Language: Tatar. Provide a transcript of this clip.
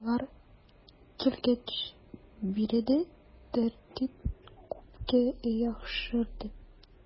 Алар килгәч биредә тәртип күпкә яхшырды.